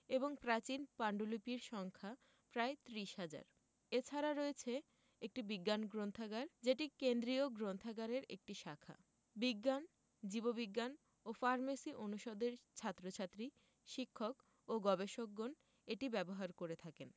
এবং প্রাচীন পান্ডুলিপির সংখ্যা প্রায় ত্রিশ হাজার এছাড়া রয়েছে একটি বিজ্ঞান গ্রন্থাগার যেটি কেন্দ্রীয় গ্রন্থাগারের একটি শাখা বিজ্ঞান জীববিজ্ঞান ও ফার্মেসি অনুষদের ছাত্রছাত্রী শিক্ষক ও গবেষকগণ এটি ব্যবহার করে থাকেন